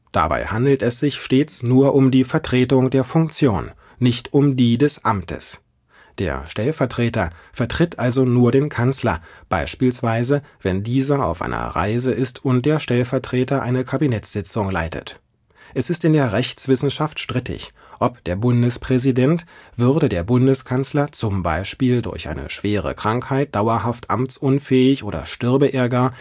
Dabei handelt es sich stets nur um die Vertretung der Funktion, nicht um die des Amtes. Der Stellvertreter vertritt also nur den Kanzler, beispielsweise wenn dieser auf einer Reise ist und der Stellvertreter eine Kabinettssitzung leitet. Es ist in der Rechtswissenschaft strittig, ob der Bundespräsident, würde der Bundeskanzler zum Beispiel durch eine schwere Krankheit dauerhaft amtsunfähig oder stürbe er gar